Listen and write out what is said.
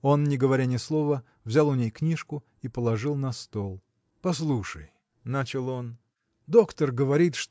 Он, не говоря ни слова, взял у ней книжку и положил на стол. – Послушай – начал он – доктор говорит